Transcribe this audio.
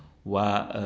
waa